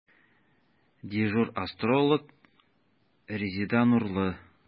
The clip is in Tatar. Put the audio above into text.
Дежур астролог – Резеда Нурлы.